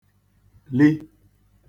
-li